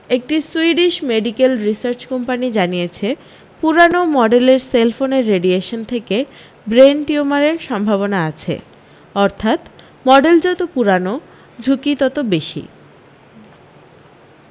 একটি Swedish medical research company জানিয়েছে পুরানো মডেলের সেলফোনের রেডিয়েশন থেকে ব্রেন টিউমারের সম্ভাবনা আছে অর্থাৎ মডেল যত পুরানো ঝুঁকি তত বেশী